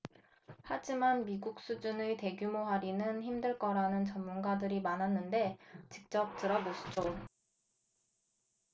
하지만 미국 수준의 대규모 할인은 힘들 거라는 전문가들이 많았는데 직접 들어보시죠